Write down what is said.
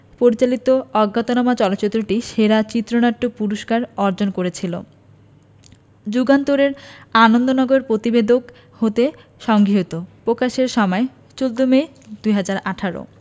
পরিচালিত অজ্ঞাতনামা চলচ্চিত্রটি সেরা চিত্রনাট্য পুরস্কার অর্জন করেছিল যুগান্তর এর আনন্দনগর প্রতিবেদক হতে সংগৃহীত প্রকাশের সময় ১৪ মে ২০১৮